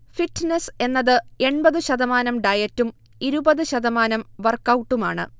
fitness എന്നത് എൺപത് ശതമാനം ഡയറ്റും ഇരുപത് ശതമാനം വർക്കൗട്ടുമാണ്